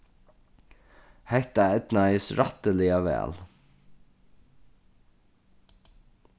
hetta eydnaðist rættiliga væl